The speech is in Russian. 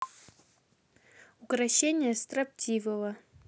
укрощение строптивого